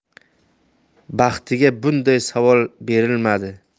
baxtiga bunday savol berilmadi